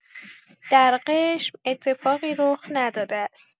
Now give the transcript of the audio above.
در قشم اتفاقی رخ نداده است.